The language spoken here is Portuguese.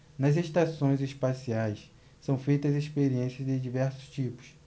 nas estações espaciais são feitas experiências de diversos tipos